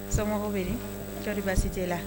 Somɔgɔw bɛ to baasi tɛ la